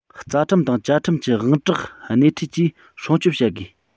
རྩ ཁྲིམས དང བཅའ ཁྲིམས ཀྱི དབང གྲགས སྣེ ཁྲིད ཀྱིས སྲུང སྐྱོང བྱ དགོས